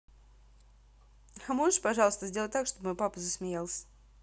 можешь пожалуйста сделать так чтобы мой папа засмеялся